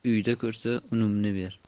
uyda ko'rsa unimni ber